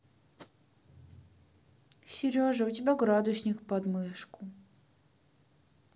сережа у тебя градусник подмышку